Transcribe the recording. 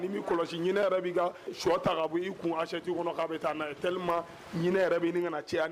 Cɛ